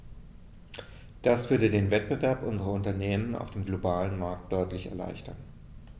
Das würde den Wettbewerb unserer Unternehmen auf dem globalen Markt deutlich erleichtern.